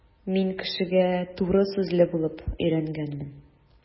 Мин кешегә туры сүзле булып өйрәнгәнмен.